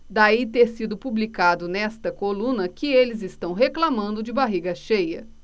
daí ter sido publicado nesta coluna que eles reclamando de barriga cheia